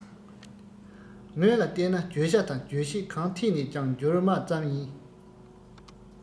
སྔོན ལ བལྟས ན བརྗོད བྱ དང རྗོད བྱེད གང ཐད ནས ཀྱང འགྱུར མ ཙམ ཡིན